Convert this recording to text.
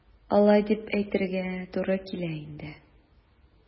Алай дип әйтергә туры килә инде.